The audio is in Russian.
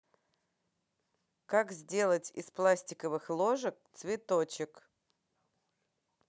как сделать из пластиковых ложек цветочек